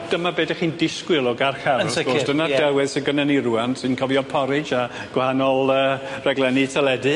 Dyma be 'dych chi'n disgwyl o garchar. Yn sicir ie. Wrth gwrs dyna'r delwedd sy gynnon ni rŵan ti'n cofio porridge a gwahanol yy rhaglenni teledu.